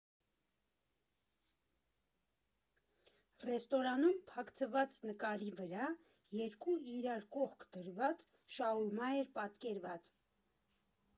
Ռեստորանում փակցված նկարի վրա երկու իրար կողք դրված շաուրմա էր պատկերված։